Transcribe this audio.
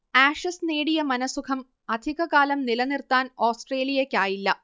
Ashes നേടിയ മനഃസുഖം അധിക കാലം നിലനിർത്താൻ ഓസ്ട്രേലിയയ്ക്കായില്ല